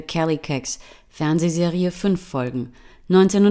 Kallikaks (Fernsehserie, 5 Folgen) 1977